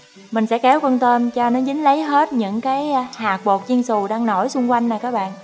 mình sẽ kéo con tôm cho nó dính lấy hết những cái hạt bột chiên xù đang nổi xung quanh nè các bạn